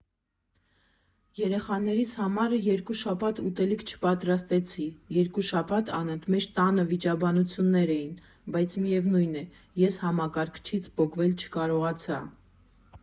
Երեխաներիս համար երկու շաբաթ ուտելիք չպատրաստեցի, երկու շաբաթ անընդմեջ տանը վիճաբանություններ էին, բայց միևնույն է՝ ես համակարգչից պոկվել չկարողացա։